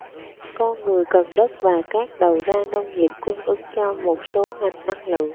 con người cần đất và các đầu ra nông nghiệp cung ứng cho một số ngành năng lượng